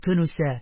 Көн үсә,